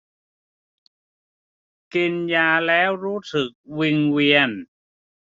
กินยาแล้วรู้สึกวิงเวียน